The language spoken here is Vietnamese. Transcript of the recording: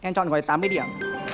em chọn gói tám mươi điểm